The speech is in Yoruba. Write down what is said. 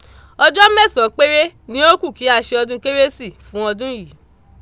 Ọjọ́ mẹ́sàn án péré ni ó kù kí á se ọdún Kérésì fún ọdún yìí.